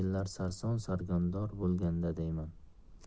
yillar sarson sargardon bo'lganda deyman